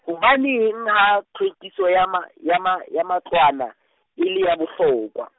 hobaneng ha tlhwekiso ya ma, ya ma, ya matlwana, e le ya bo hlokwa.